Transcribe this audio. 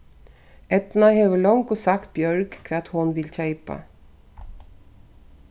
eydna hevur longu sagt bjørg hvat hon vil keypa